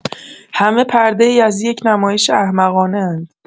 همه پرده‌ای از یک نمایش احمقانه اند!